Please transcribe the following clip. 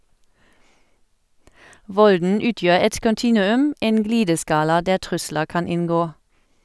Volden utgjør et kontinuum, en glideskala, der trusler kan inngå.